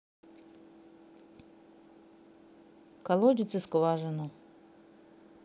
колодец и скважина